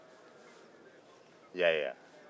i y'a ye wa